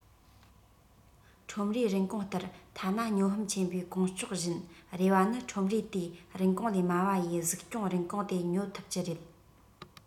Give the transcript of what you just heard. ཁྲོམ རའི རིན གོང ལྟར ཐ ན སྨྱོ ཧམ ཆེན པོས གོང བཅོག བཞིན རེ བ ནི ཁྲོམ རའི དེ རིན གོང ལས དམའ བ ཡི གཟིགས སྐྱོང རིན གོང དེ ཉོ ཐུབ ཀྱི རེད